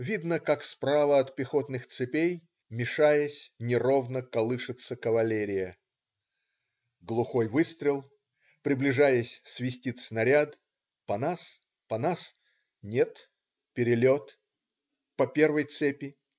Видно, как справа от пехотных цепей, мешаясь, неровно колышется кавалерия. Глухой выстрел! приближаясь, свистит снаряд. по нас, по нас. нет. перелет. по первой цепи.